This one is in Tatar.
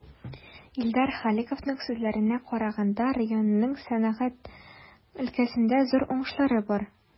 Илдар Халиковның сүзләренә караганда, районның сәнәгать өлкәсендә зур уңышлары бар.